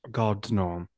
*God, no!"